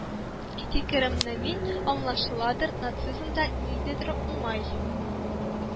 Фикеремне мин, аңлашыладыр, нацизмда ниндидер уңай